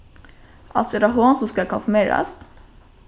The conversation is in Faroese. altso er tað hon sum skal konfirmerast